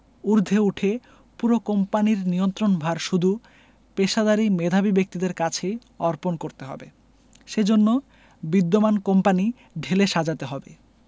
ঊর্ধ্বে উঠে পুরো কোম্পানির নিয়ন্ত্রণভার শুধু পেশাদারি মেধাবী ব্যক্তিদের কাছেই অর্পণ করতে হবে সে জন্য বিদ্যমান কোম্পানি ঢেলে সাজাতে হবে